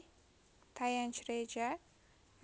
tayanch reja